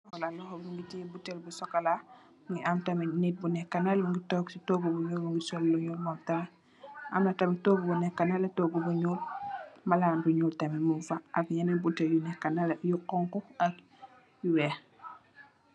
Manam loho mungi tè buteel bu sokola, mungi am tamit nit bu nekka nalè mungi toog ci toogu bu ñuul, mungi sol lu ñuul mom tamit. Amna tamit toogu bu nekka nalè, toogu bu ñuul malan bu ñuul tamit mung fa ak yenen buteel yi nekka nalè yu honku ak yu weeh.